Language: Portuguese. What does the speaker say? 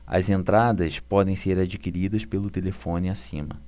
as entradas podem ser adquiridas pelo telefone acima